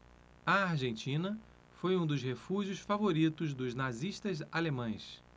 a argentina foi um dos refúgios favoritos dos nazistas alemães